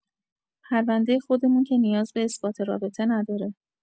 پرونده خودمون که نیاز به اثبات رابطه نداره؟